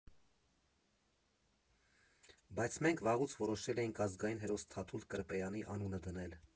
Բայց մենք վաղուց որոշել էինք ազգային հերոս Թաթուլ Կրպեյանի անունը դնել։